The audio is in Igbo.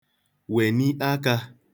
wèni aka